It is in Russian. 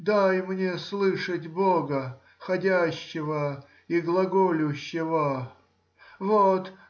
дай мне слышать бога, ходящего и глаголющего!. Вот.